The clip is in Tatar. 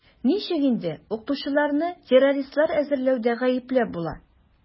Ничек инде укытучыларны террористлар әзерләүдә гаепләп була?